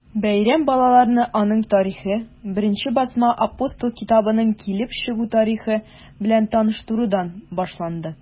Бәйрәм балаларны аның тарихы, беренче басма “Апостол” китабының килеп чыгу тарихы белән таныштырудан башланды.